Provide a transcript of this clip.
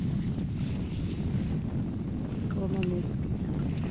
колмановский